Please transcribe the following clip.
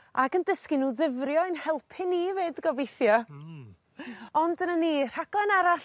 Ag yn dysgu n'w ddyfrio i'n helpu ni 'fyd gobeithio. Hmm. Ond dyna ni rhaglan arall